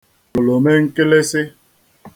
òlòme nkịlịsī